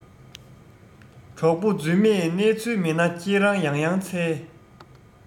གྲོགས པོ རྫུན མས གནས ཚུལ མེད ན ཁྱེད རང ཡང ཡང འཚལ